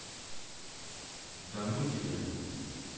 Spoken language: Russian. да ну тебя